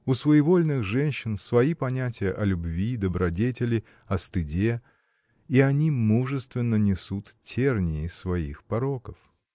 У своевольных женщин — свои понятия о любви, о добродетели, о стыде, и они мужественно несут терния своих пороков.